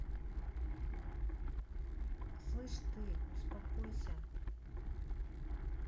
слышь ты успокойся